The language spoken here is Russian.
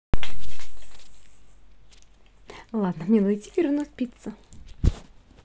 ладно мне надо идти перевернуть пицца